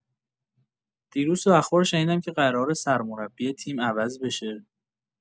دیروز تو اخبار شنیدم که قراره سرمربی تیم عوض بشه.